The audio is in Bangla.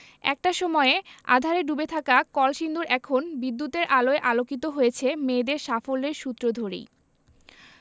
একটা সময়ে আঁধারে ডুবে থাকা কলসিন্দুর এখন বিদ্যুতের আলোয় আলোকিত হয়েছে মেয়েদের সাফল্যের সূত্র ধরেই